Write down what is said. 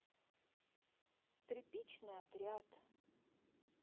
тряпичный отряд